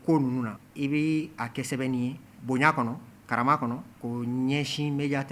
I bɛ kɛ sɛbɛn ye bonya kɔnɔ kara kɔnɔ ɲɛsin bɛ tɛ